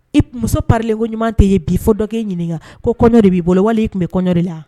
I muso parilen koɲuman tɛ ye bi fɔ dɔ k'e ɲininka ko kɔɲɔ de b'i bolo wal'i tun bɛ kɔɲɔli la?